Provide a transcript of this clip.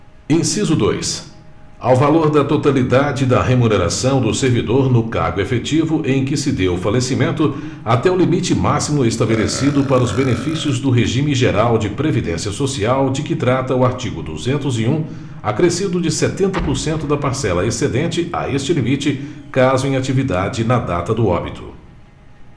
inciso dois ao valor da totalidade da remuneração do servidor no cargo efetivo em que se deu o falecimento até o limite máximo estabelecido para os benefícios do regime geral de previdência social de que trata o artigo duzentos e um acrescido de setenta por cento da parcela excedente a este limite caso em atividade na data do óbito